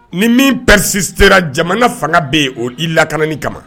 Ni min p sera jamana fanga bɛ yen o i lakani kama